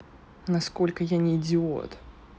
насколько я не идиот